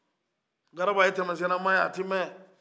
graba ye tɛmɛsennamaye a tɛ mɛn